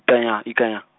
itanya ikanyang.